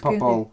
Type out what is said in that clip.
Pobl...